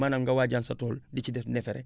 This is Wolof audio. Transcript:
maanaam nga waajal sa tool di ci def neefere